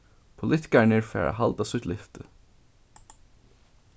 politikararnir fara at halda sítt lyfti